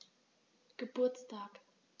Geburtstag